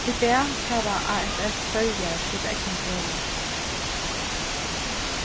í dag hava afs føroyar sítt egna felag